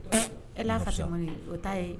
E'a fa o ta ye